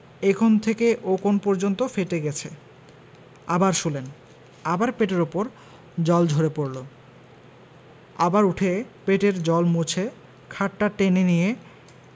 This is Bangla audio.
এ কোণ থেকে ও কোণ পর্যন্ত ফেটে গেছে আবার শুলেন আবার পেটের উপর জল ঝরে পড়ল আবার উঠে পেটের জল মুছে খাটটা টেনে নিয়ে